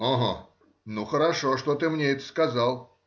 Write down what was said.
— Ага, ну, хорошо, что ты мне это сказал.